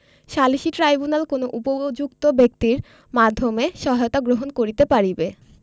সালিসী ট্রাইব্যুনাল কোন উপযুক্ত ব্যক্তির মাধ্যমে সহায়তা গ্রহণ করিতে পারিবে